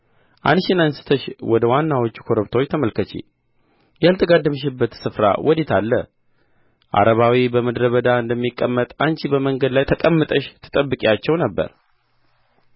ዓይንሽን አንሥተሽ ወደ ወናዎች ኮረብቶች ተመልከቺ ያልተጋደምሽበት ስፍራ ወዴት አለ ዓረባዊ በምድረ በዳ እንደሚቀመጥ አንቺ በመንገድ ላይ ተቀምጠሽ ትጠብቂያቸው ነበር